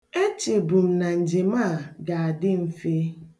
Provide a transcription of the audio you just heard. Echebu m na njem a ga-adị mfe.